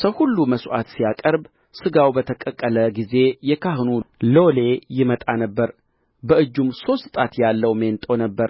ሰው ሁሉ መሥዋዕት ሲያቀርብ ሥጋው በተቀቀለ ጊዜ የካህኑ ሎሌ ይመጣ ነበር በእጁም ሦስት ጣት ያለው ሜንጦ ነበረ